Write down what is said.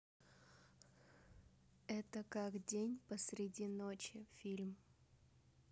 это как день посреди ночи фильм